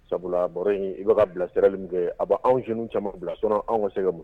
Sabula baro in i be ka bilasirali min kɛɛ a be anw jeune w caman bila sinon anw ŋa sen ka mu